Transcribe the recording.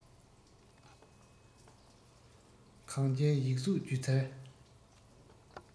གངས ཅན ཡིག གཟུགས སྒྱུ རྩལ